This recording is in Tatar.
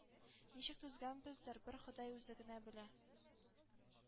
Ничек түзгәнбездер, бер Ходай үзе генә белә.